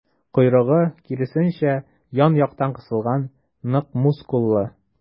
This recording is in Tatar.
Койрыгы, киресенчә, ян-яктан кысылган, нык мускуллы.